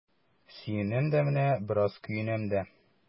Сөенәм дә менә, бераз көенәм дә.